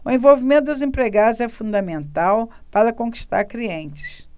o envolvimento dos empregados é fundamental para conquistar clientes